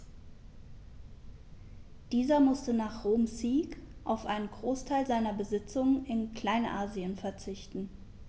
Dieser musste nach Roms Sieg auf einen Großteil seiner Besitzungen in Kleinasien verzichten.